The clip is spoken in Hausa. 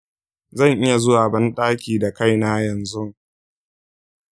zan iya zuwa ban taki da kaina yanzun.